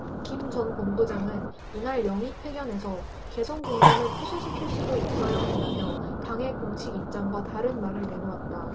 김 전 본부장은 이날 영입 회견에서 개성공단을 폐쇄시킬 수도 있어야 한다며 당의 공식 입장과 다른 말을 내놓았다